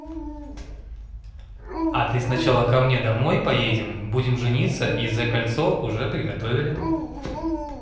а ты сначала ко мне домой поедем будем жениться и the кольцо уже приготовили